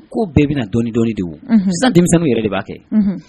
Ko bɛɛ bɛna dɔni-dɔni de o unhun sisan denmisɛnninw yɛrɛ de b'a kɛ unhun